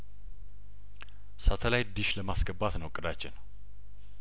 ሳተላይት ዲሽ ለማስገባት ነው እቅዳችን